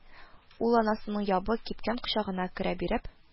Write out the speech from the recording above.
Ул анасының ябык, кипкән кочагына керә биреп: